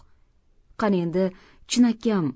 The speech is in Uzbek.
qani endi chinakam